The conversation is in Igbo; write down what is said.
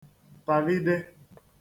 tàlide